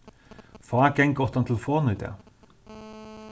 fá ganga uttan telefon í dag